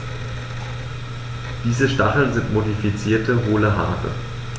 Diese Stacheln sind modifizierte, hohle Haare.